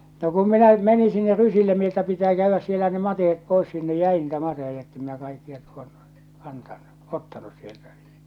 no kun minä menin sinne rysille minä että pitää käydä siellä ne mateet pois sinne jäi niitä mateita että en minä kaikkia tuonne kantanut ottanut sieltä